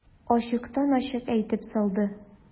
Ачыктан-ачык әйтеп салды.